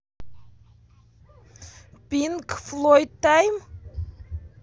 пинк флойд тайм